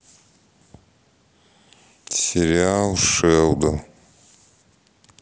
сериал шелдон